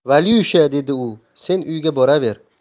valyusha dedi u sen uyga boraver